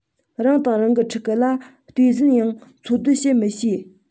རང དང རང གི ཕྲུ གུ ལ ལྟོ ཟན ཡང འཚོལ སྡུད བྱེད མི ཤེས